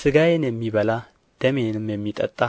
ሥጋዬን የሚበላ ደሜንም የሚጠጣ